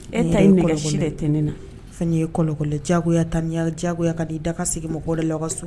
E ta ne na' ye kolokɔlɛ jagoya ta diyagoya ka'i da ka segin mɔgɔ la ka sɔrɔ